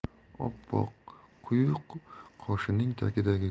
oppoq quyuq qoshining tagidagi